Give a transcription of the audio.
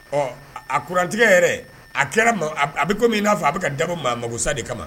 Ɔ a kurantigɛ yɛrɛ a kɛra a bɛ kɔmi min n'a fɔ a bɛ ka dabɔ maa makosa de kama